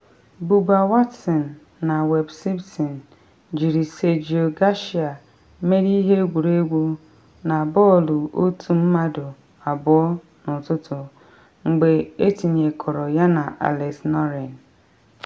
Bubba Watson na Webb Simpson jiri Sergio Garcia mere ihe egwuregwu na bọọlụ otu mmadụ abụọ n’ụtụtụ, mgbe etinyekọrọ yana Alex Noren.